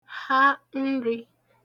ha nrī